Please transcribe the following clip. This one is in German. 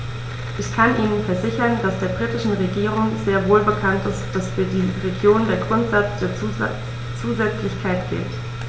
Ich kann Ihnen versichern, dass der britischen Regierung sehr wohl bekannt ist, dass für die Regionen der Grundsatz der Zusätzlichkeit gilt.